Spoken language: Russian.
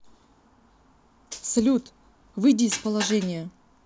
салют выйди из положения